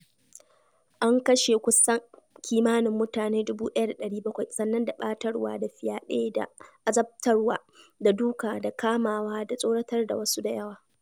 An kashe kusan kimanin mutane 1,700 sannan da ɓatarwa da fyaɗe da azabtarwa da duka da kamawa da tsoratar da wasu da yawa.